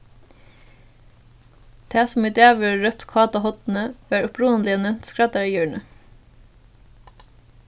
tað sum í dag verður rópt káta hornið varð upprunaliga nevnt skraddarahjørnið